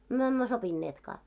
me emme sopineetkaan